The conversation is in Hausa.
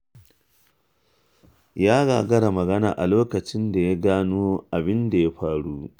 Ya gagara magana a lokacin da ya gano abin da ya faru.